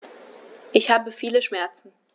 Ich habe viele Schmerzen.